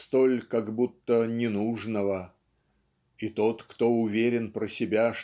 столь как будто ненужного. И тот кто уверен про себя